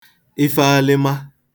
ife alịma